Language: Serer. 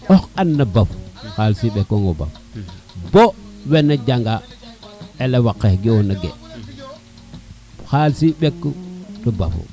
oxe ana baf xaliso ɓekoŋ o ba bo wane janga elewa xe ge ona ge xaliso ɓeku te bafo